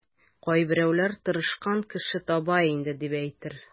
Кайберәүләр тырышкан кеше таба инде, дип әйтер.